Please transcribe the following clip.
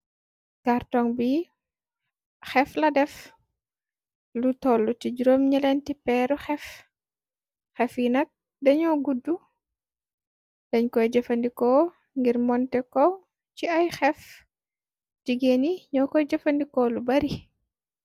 kartong bi xefla def lu tolu ci juróom ñëleenti peeru xef yinag dañoo gudu dañ koy jëfandikoo ngir monteko ci ay xef jigeen yi ñoo koy jëfandikoo lu bari.